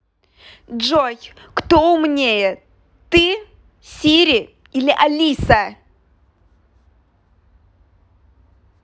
джой кто умнее ты сири или алиса